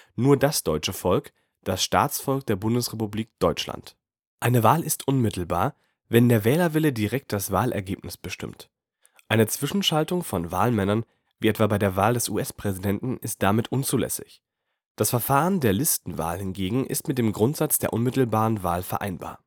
nur das deutsche Volk, das Staatsvolk der Bundesrepublik Deutschland. Eine Wahl ist unmittelbar, wenn der Wählerwille direkt das Wahlergebnis bestimmt. Eine Zwischenschaltung von Wahlmännern wie etwa bei der Wahl des US-Präsidenten ist damit unzulässig. Das Verfahren der Listenwahl hingegen ist mit dem Grundsatz der unmittelbaren Wahl vereinbar